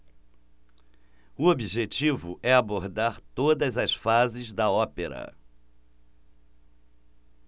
o objetivo é abordar todas as fases da ópera